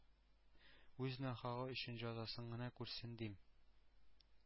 Үз нахагы өчен җәзасын гына күрсен, дим...